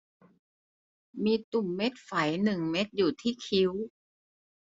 มีตุ่มเม็ดไฝหนึ่งเม็ดอยู่ที่คิ้ว